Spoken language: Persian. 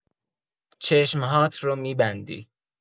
چشم‌هات رو می‌بندی.